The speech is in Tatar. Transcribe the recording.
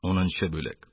Унынчы бүлек